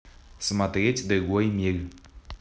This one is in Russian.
смотреть другой мир